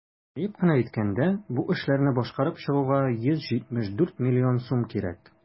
Җыеп кына әйткәндә, бу эшләрне башкарып чыгуга 174 млн сум кирәк.